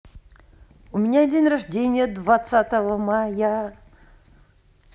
у меня день рождения двадцатого мая